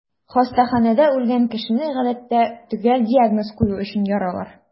Хастаханәдә үлгән кешене, гадәттә, төгәл диагноз кую өчен яралар.